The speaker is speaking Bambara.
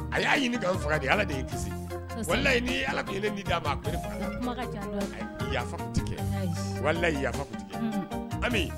A y'a ɲini ka faga de ala de kisi waliyi' alaki da yati kɛ wali ya ami